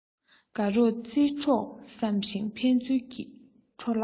དགའ རོགས རྩེད གྲོགས བསམ ཞིང ཕན ཚུན གྱི འཕྲོ བརླག